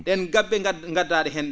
?een gabbe ngaddaa?e heen ?ee